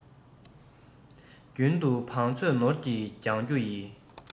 རྒྱུན དུ བང མཛོད ནོར གྱིས བརྒྱང རྒྱུ གྱིས